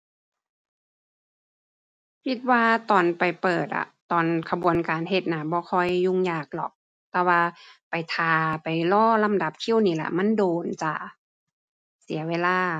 คิดว่าตอนไปเปิดอะ ตอนกระบวนการเฮ็ดน่ะบ่ค่อยยุ่งยากหรอก แต่ว่าไปท่า ไปรอลำดับคิวนี่ล่ะมันโดนจ้า เสียเวลา